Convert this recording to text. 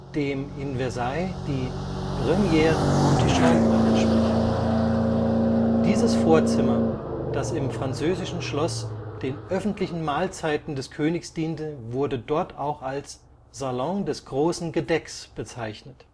dem in Versailles die Première Antichambre entspricht. Dieses Vorzimmer, das im französischen Schloss den öffentlichen Mahlzeiten des Königs diente, wurde dort auch als Salon des großen Gedecks bezeichnet